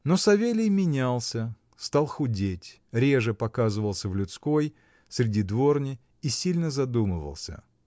Но Савелий менялся, стал худеть, реже показывался в людской, среди дворни, и сильно задумывался.